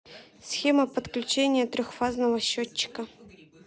схема подключения трехфазного счетчика